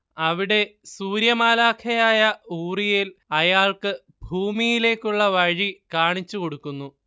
അവിടെ സൂര്യമാലാഖയായ ഊറിയേൽ അയാൾക്ക് ഭൂമിയിലേയ്ക്കുള്ള വഴി കാണിച്ചുകൊടുക്കുന്നു